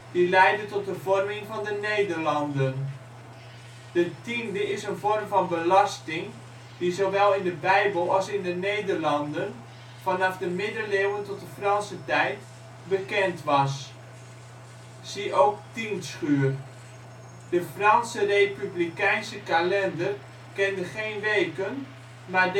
die leidde tot de vorming van de Nederlanden. De tiende is een vorm van belasting die zowel in de Bijbel als in de Nederlanden vanaf de middeleeuwen tot de Franse tijd bekend was. Zie ook tiendschuur. De Franse Republikeinse Kalender kende geen weken maar